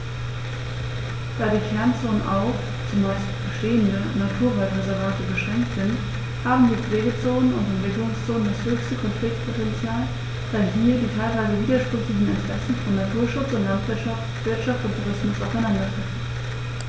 Da die Kernzonen auf – zumeist bestehende – Naturwaldreservate beschränkt sind, haben die Pflegezonen und Entwicklungszonen das höchste Konfliktpotential, da hier die teilweise widersprüchlichen Interessen von Naturschutz und Landwirtschaft, Wirtschaft und Tourismus aufeinandertreffen.